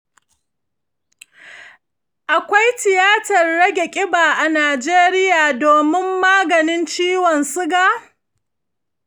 akwai tiyatar rage kiba a nigeria domin maganin ciwon suga?